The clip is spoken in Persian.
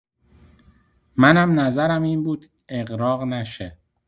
من هم نظرم این بود اغراق نشه.